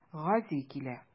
Гази килә.